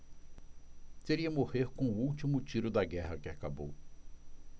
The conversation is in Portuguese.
seria morrer com o último tiro da guerra que acabou